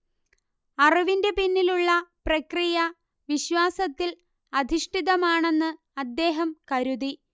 അറിവിന്റെ പിന്നിലുള്ള പ്രക്രിയ, വിശ്വാസത്തിൽ അധിഷ്ഠിതമാണെന്ന് അദ്ദേഹം കരുതി